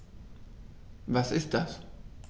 Was ist das?